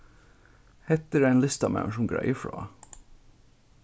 hetta er ein listamaður sum greiður frá